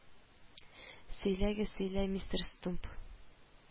Сөйләгез, сөйлә, мистер Стумп